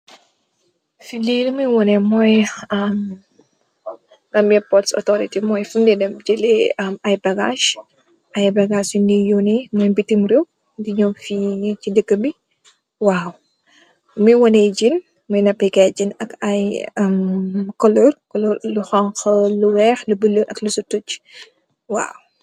Fii Dee li mooy wane mooy "Gambia Ports Authority", fi ñuy jëlee ay bagaas, ay bagaas si bitim rëw ñow si dëkë bi. Waaw, muy wane jën, muy napeekaay jën ak ay kuloor yu xoñgu ak lu weex, lu buloo ak, waaw.